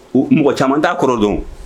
U mɔgɔ caman t'a kɔrɔ dɔn o.